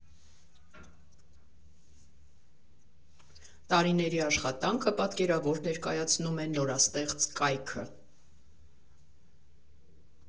Տարիների աշխատանքը պատկերավոր ներկայացնում է նորաստեղծ կայքը։